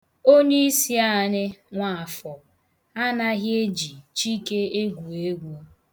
Onyeisi anyị, Nwaafọ, anaghị ejị Chike egwù egwu